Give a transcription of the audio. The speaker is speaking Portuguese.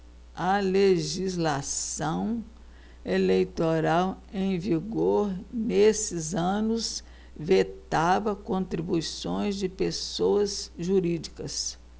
a legislação eleitoral em vigor nesses anos vetava contribuições de pessoas jurídicas